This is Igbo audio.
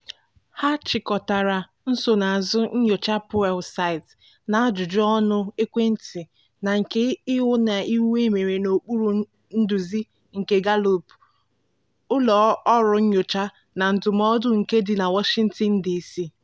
A chịkọtara nsonaazụ nyocha Pew site na ajụjụ ọnụ ekwentị na nke ihu na ihu emere n'okpuru nduzi nke Gallup — ụlọ ọrụ nyocha na ndụmọdụ nke dị na Washington, DC.